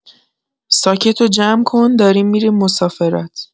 ساکتو جمع‌کن، داریم می‌ریم مسافرت!